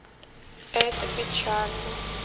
это печально